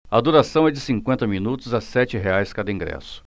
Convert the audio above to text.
a duração é de cinquenta minutos a sete reais cada ingresso